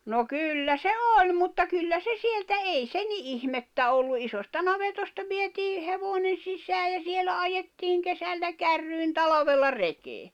no kyllä se oli mutta kyllä se sieltä ei se niin ihmettä ollut isosta navetasta vietiin hevonen sisään ja siellä ajettiin kesällä kärryihin talvella rekeen